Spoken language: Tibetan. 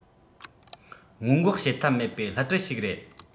སྔོན འགོག བྱེད ཐབས མེད པའི བསླུ བྲིད ཞིག རེད